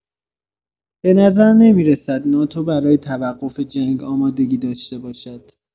به نظر نمی‌رسد ناتو برای توقف جنگ آمادگی داشته باشد.